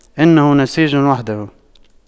إنه نسيج وحده